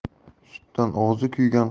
sutdan og'zi kuygan